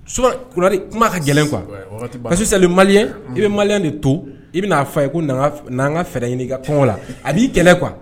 Su kuma ka gɛlɛn qu kuwa ba sisan mali i bɛ mali de to i bɛnaa fɔ ye n'an ka fɛ ɲini ka kɔngɔ la anii kɛlɛ kuwa